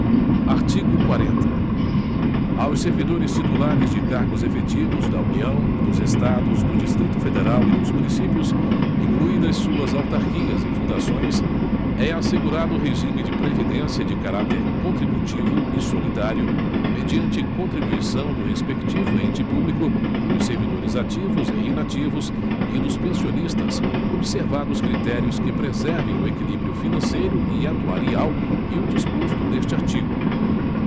artigo quarenta aos servidores titulares de cargos efetivos da união dos estados do distrito federal e dos municípios incluídas suas autarquias e fundações é assegurado regime de previdência de caráter contributivo e solidário mediante contribuição do respectivo ente público dos servidores ativos e inativos e dos pensionistas observados critérios que preservem o equilíbrio financeiro e atuarial e o disposto neste artigo